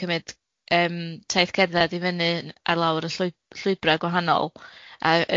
gneud yym taith cerddad i fyny a lawr y llwy- llwybrau gwahanol a